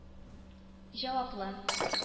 Җаваплы